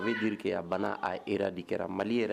A ye duurukeya bana ae di kɛra mali